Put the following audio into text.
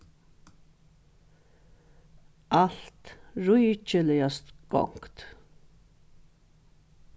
alt ríkiliga skonkt